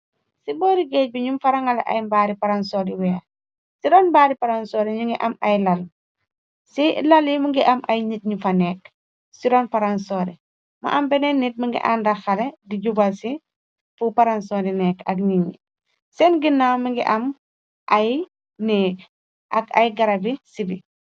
Si boori géej bi ñu fa rangale ay mbaari paransor yu weex, ci roon mbaari paronsori ñu ngi am ay lal, ci lali mu ngi am ay ñit ñu fa nekk ci roon paransori, mu am beneen nit më ngi ànda xale di jubal ci fu paransori nekk ak nit ñi, seen ginaw mi ngi am ay neek ak ay garabi sibi.